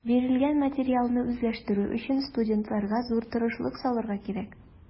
Бирелгән материалны үзләштерү өчен студентларга зур тырышлык салырга кирәк.